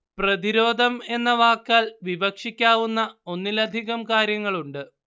പ്രതിരോധം എന്ന വാക്കാല്‍ വിവക്ഷിക്കാവുന്ന ഒന്നിലധികം കാര്യങ്ങളുണ്ട്